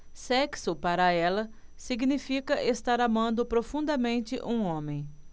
sexo para ela significa estar amando profundamente um homem